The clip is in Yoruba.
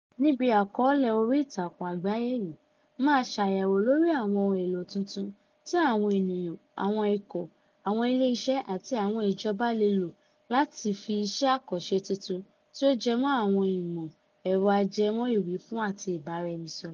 Níbi àkọ́ọ́lẹ̀ orí ìtàkùn àgbáyé yìí, máa ṣàyẹ̀wò lórí àwọn ohun èlò tuntun tí àwọn ènìyàn, àwọn ikọ̀, àwọn ilé iṣẹ́ àti àwọn ìjọba le lò láti fi ṣe iṣẹ́ àkànṣe tuntun tí ó jẹmọ́ àwọn ìmọ̀ ẹ̀rọ ajẹmọ́ ìwífún àti ìbáraẹnisọ̀rọ̀.